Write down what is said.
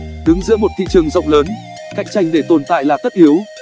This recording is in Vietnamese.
đứng giữa một thị trường rộng lớn cạnh tranh để tồn tại là tất yếu cạnh tranh để thành công